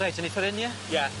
Reit awn ni ffor' hyn ie? Ia.